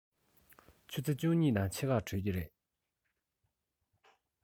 ཆུ ཚོད བཅུ གཉིས དང ཕྱེད ཀར གྲོལ གྱི རེད